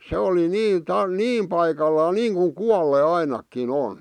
se oli niin - niin paikallaan niin kuin kuolleet ainakin on